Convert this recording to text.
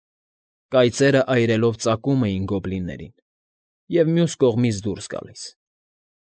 Կայծերը այրելով ծակում էին գոբլիններին և մյուս կողմից դուրս գալիս։